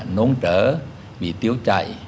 nôn chớ bị tiêu chảy